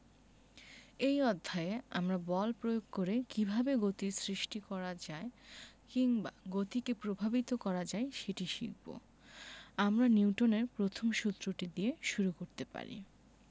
এই অধ্যায়ে আমরা বল প্রয়োগ করে কীভাবে গতির সৃষ্টি করা যায় কিংবা গতিকে প্রভাবিত করা যায় সেটি শিখব আমরা নিউটনের প্রথম সূত্রটি দিয়ে শুরু করতে পারি